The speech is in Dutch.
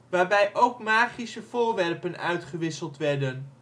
waarbij ook magische voorwerpen uitgewisseld werden